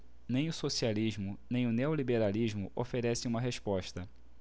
nem o socialismo nem o neoliberalismo oferecem uma resposta